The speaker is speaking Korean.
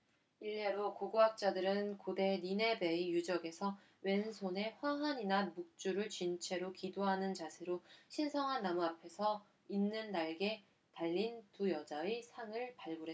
일례로 고고학자들은 고대 니네베의 유적에서 왼 손 에 화환이나 묵주를 쥔 채 기도하는 자세로 신성한 나무 앞에 서 있는 날개 달린 두 여자의 상을 발굴했습니다